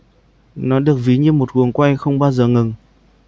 nó được ví như một guồng quay không bao giờ ngừng